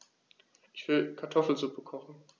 Ich will Kartoffelsuppe kochen.